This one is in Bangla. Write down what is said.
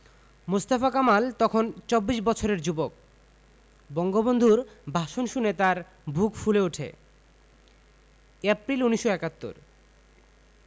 মোস্তফা কামাল তখন চব্বিশ বছরের যুবক বঙ্গবন্ধুর ভাষণ শুনে তাঁর বুক ফুলে ওঠে এপ্রিল ১৯৭১